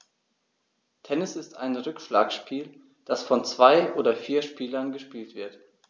Tennis ist ein Rückschlagspiel, das von zwei oder vier Spielern gespielt wird.